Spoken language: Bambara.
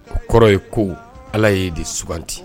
O kɔrɔ ye ko ala ye de suganti